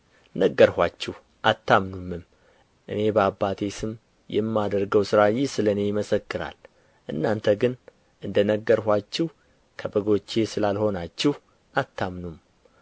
ነገርኋችሁ አታምኑምም እኔ በአባቴ ስም የማደርገው ሥራ ይህ ስለ እኔ ይመሰክራል እናንተ ግን እንደ ነገርኋችሁ ከበጎቼ ስላልሆናችሁ አታምኑም